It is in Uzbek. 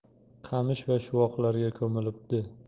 qamish va shuvoqlarga ko'milibdi